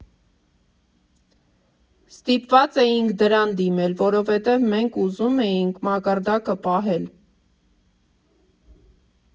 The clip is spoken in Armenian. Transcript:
Սիտպված էինք դրան դիմել, որովհետև մենք ուզում էինք մակարդակը պահել։